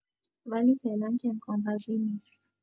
ولی فعلا که امکان‌پذیر نیست.